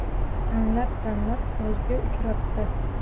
tanlab tanlab tozga uchrabdi